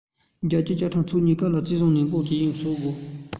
རྒྱལ སྤྱིའི བཅའ ཁྲིམས ཕྱོགས གཉིས ཀས ལ བརྩི སྲུང ནན པོ སོགས ཡིན